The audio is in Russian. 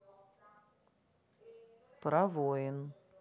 про воин